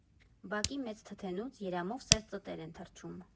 Բակի մեծ թթենուց երամով սև ծտեր են թռչում։